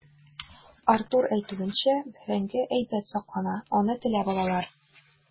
Артур әйтүенчә, бәрәңге әйбәт саклана, аны теләп алалар.